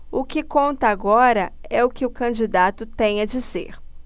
o que conta agora é o que o candidato tem a dizer